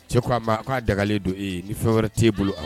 Cɛ ko' a ma k'a dagalen don e ni fɛn wɛrɛ t'e bolo